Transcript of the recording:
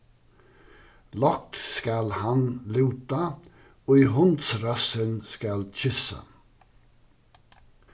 lágt skal hann lúta ið hundsrassin skal kyssa